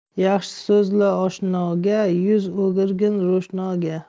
yaxshi so'zla oshnoga yuz o'girgin ro'shnoga